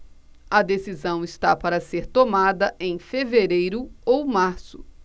a decisão está para ser tomada em fevereiro ou março